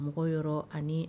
Mɔgɔw yɔrɔ ani